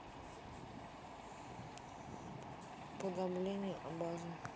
подтопление абаза